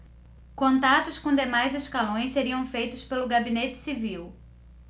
contatos com demais escalões seriam feitos pelo gabinete civil